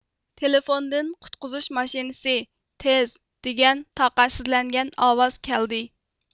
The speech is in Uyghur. تېلىفوندىن قۇتقۇزۇش ماشىنىسى تېز دېگەن تاقەتسىزلەنگەن ئاۋاز كەلدى